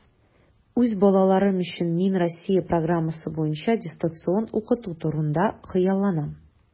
Үз балаларым өчен мин Россия программасы буенча дистанцион укыту турында хыялланам.